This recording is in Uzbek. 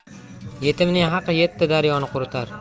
yetimning haqi yetti daryoni quritar